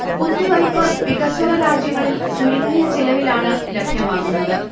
കുത്തിവെയ്പ് വികസ്വര രാജ്യങ്ങളിൽ ചുരുങ്ങിയ ചിലവിലാണ് ലഭ്യമാകുന്നത്